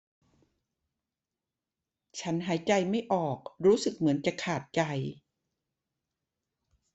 ฉันหายใจไม่ออกรู้สึกเหมือนจะขาดใจ